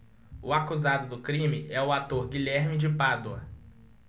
o acusado do crime é o ator guilherme de pádua